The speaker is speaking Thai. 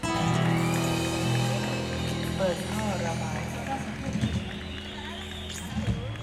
เปิดท่อระบายอากาศ